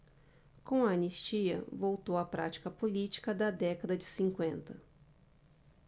com a anistia voltou a prática política da década de cinquenta